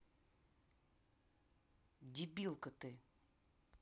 дебилка ты